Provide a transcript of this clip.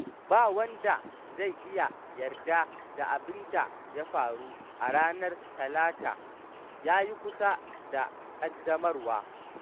Ba wanda zai iya yarda da abin da ya faru a ranar Talata, ya yi kusa da ƙaddamarwar.